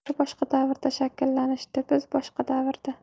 ular boshqa davrda shakllanishdi biz boshqa davrda